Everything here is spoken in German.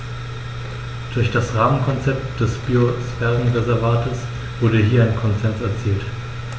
Durch das Rahmenkonzept des Biosphärenreservates wurde hier ein Konsens erzielt.